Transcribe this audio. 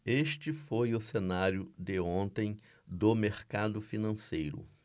este foi o cenário de ontem do mercado financeiro